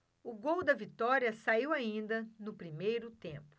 o gol da vitória saiu ainda no primeiro tempo